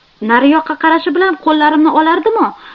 nari yoqqa qarashi bilan qo'llarimni olardim u